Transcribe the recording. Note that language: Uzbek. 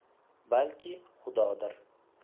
balki xudodir